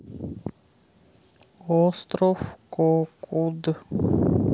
остров ко куд